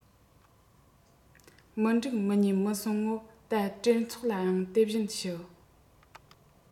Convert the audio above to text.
མི འགྲིག མི ཉན མི གསུང ངོ ད སྤྲེལ ཚོགས ལ ཡང དེ བཞིན ཞུ